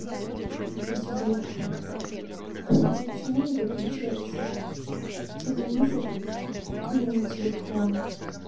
сбер почему не подключается телевизор к моему телефону